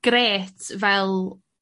grêt fel